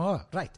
Oh, right.